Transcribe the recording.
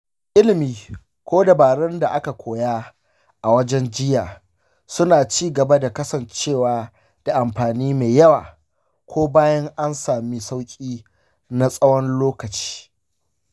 ilimi ko dabarun da aka koya a wajen jiyya suna ci gaba da kasancewa da amfani mai yawa ko bayan an sami sauƙi na tsawon lokaci.